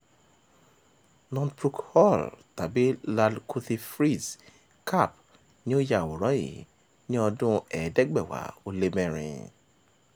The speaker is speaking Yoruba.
Northbrook Hall tàbí Lal Kuthi – Fritz Kapp ni ó ya àwòrán yìí ní ọdún-un 1904.